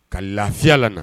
Ka lafiya lana.